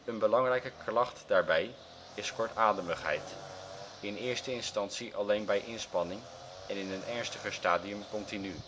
belangrijke klacht daarbij is kortademigheid: in eerste instantie alleen bij inspanning en in een ernstiger stadium continu